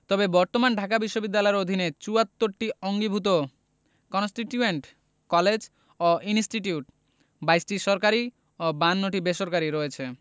তবে বর্তমানে ঢাকা বিশ্ববিদ্যালয়ের অধীনে ৭৪টি অঙ্গীভুত কন্সটিটিউয়েন্ট কলেজ ও ইনস্টিটিউট ২২টি সরকারি ও ৫২টি বেসরকারি রয়েছে